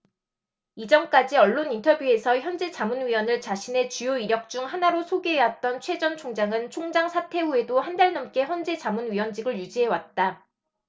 이전까지 언론 인터뷰에서 헌재 자문위원을 자신의 주요 이력 중 하나로 소개해왔던 최 전 총장은 총장 사퇴 후에도 한달 넘게 헌재 자문위원직을 유지해왔다